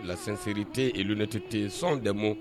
La sincérité et l'honnêteté sont des mots